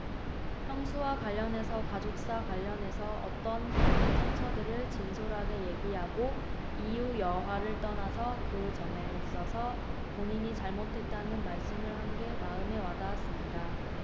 형수와 관련해서 가족사 관련해서 어떤 아픈 상처들을 진솔하게 얘기하고 이유 여하를 떠나서 그 점에 있어서 본인이 잘못했다는 말씀을 한 게 마음에 와 닿았습니다